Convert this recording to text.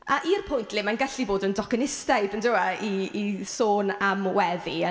A i'r pwynt le mae'n gallu bod yn docenistaidd, yndyw e, i i sôn am weddi.